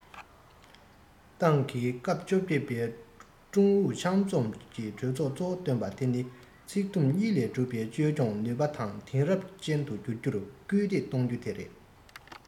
ཏང གི སྐབས བཅོ བརྒྱད པའི ཀྲུང ཨུ ཚང འཛོམས གྲོས ཚོགས གཙོ བོ བཏོན པ དེ ནི ཚིག དུམ གཉིས ལས གྲུབ པའི བཅོས སྐྱོང ནུས པ དེང རབས ཅན དུ འགྱུར རྒྱུར སྐུལ འདེད གཏོང རྒྱུ དེ རེད